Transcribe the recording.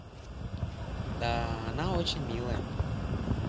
да она очень милая